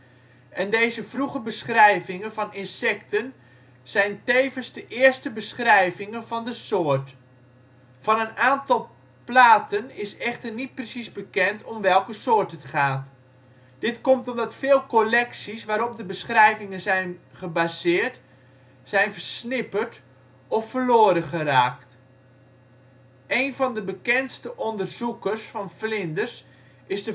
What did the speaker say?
en deze vroege beschrijvingen van insecten zijn tevens de eerste beschrijvingen van de soort. Van een aantal platen is echter niet precies bekend om welke soort het gaat. Dit komt omdat veel collecties waarop de beschrijvingen zijn gebaseerd zijn versnipperd of verloren geraakt. Één van de bekendste onderzoekers van vlinders is